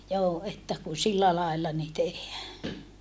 joo että kun sillä lailla niin tehdään